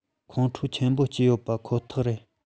ལ ཁོང ཁྲོ ཆེན པོ སྐྱེས ཡོད པ ཁོ ཐག རེད